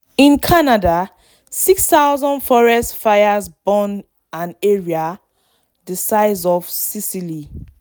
In Canada, 6,000 forest fires burned an area the size of Sicily.